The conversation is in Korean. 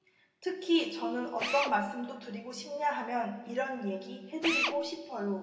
특히 저는 어떤 말씀 드리고 싶냐하면 이런 얘기 해드리고 싶어요